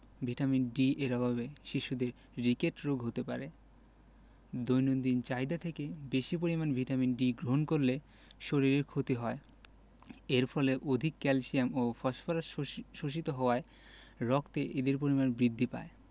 vitamin D এর অভাবে শিশুদের রিকেট রোগ হতে পারে দৈনিক চাহিদা থেকে বেশী পরিমাণে ভিটামিন D গ্রহণ করলে শরীরের ক্ষতি হয় এর ফলে অধিক ক্যালসিয়াম ও ফসফরাস শোষিত হওয়ায় রক্তে এদের পরিমাণ বৃদ্ধি পায়